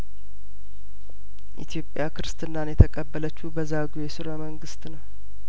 ኢትዮጵያ ክርስትናን የተቀበለችው በዛጔ ስርወ መንግስት ነው